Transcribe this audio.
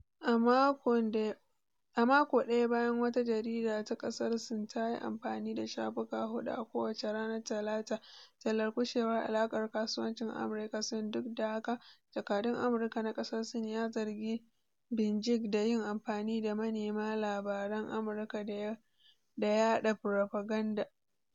A mako daya bayan wata jarida ta kasar Sin ta yi amfani da shafuka hudu a kowace rana tana tallar kushe alakar kasuwanci Amurka - Sin, duk da haka, jakadun Amurka na kasar Sin ya zargi Beijing da yin amfani da manema labaran Amurka da yada farfaganda.